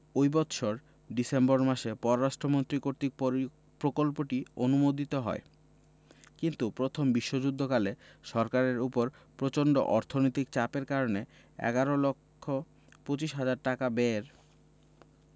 ঐ বৎসরই ডিসেম্বর মাসে পররাষ্ট্র মন্ত্রী কর্তৃক প্রকল্পটি অনুমোদিত হয় কিন্তু প্রথম বিশ্বযুদ্ধকালে সরকারের ওপর প্রচন্ড অর্থনৈতিক চাপের কারণে এগারো লক্ষ পচিশ হাজার টাকা ব্যয়ের